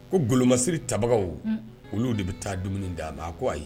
Ko gololomasiri tabaga olu de bɛ taa dumuni d'a ma ko ayi